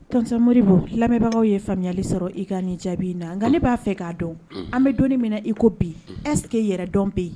Tɔnsamoribo lamɛnbagaw ye faamuyayali sɔrɔ i ka nin jaabi na nka ne b'a fɛ k'a dɔn an bɛ don min na iko bi ɛsseke yɛrɛ dɔn bɛ yen